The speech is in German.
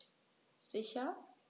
Sicher.